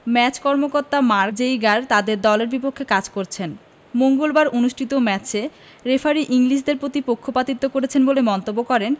match কর্মকর্তা Mark Geiger তাদের দলের বিপক্ষে কাজ করেছেন মঙ্গলবার অনুষ্ঠিত ম্যাচে রেফারি ইংলিশদের প্রতি পক্ষিপাতিত্ব করেছেন বলেও মন্তব্য করেন